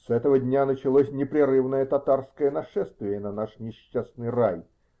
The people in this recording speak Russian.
С этого дня началось непрерывное татарское нашествие на наш несчастный рай.